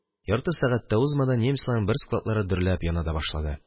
Ярты сәгать тә узмады, немецларның бер складлары дөрләп яна да башлады.